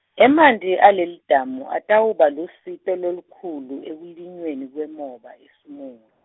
emanti alelidamu atawuba lusito lolukhulu ekulinyweni kwemoba eSimun-.